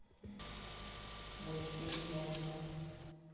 мультфильм мозг